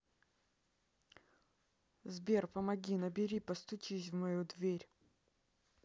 сбер помоги набери постучись в мою дверь